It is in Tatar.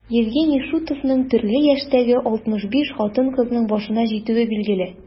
Евгений Шутовның төрле яшьтәге 65 хатын-кызның башына җитүе билгеле.